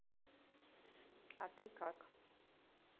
а ты как